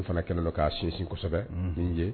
N fana kɛlɛ don k'a sinsinsɛbɛ kosɛbɛ ni ye